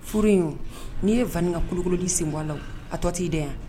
Furu in wo n'i ye Wan ka kolokololi sen bɔ'la a tɔ t'i den ?